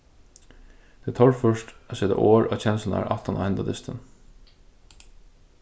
tað er torført at seta orð á kenslurnar aftan á hendan dystin